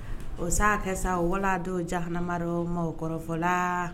O sa kɛ wala don jamanaanamadɔ mɔgɔ kɔrɔfɔla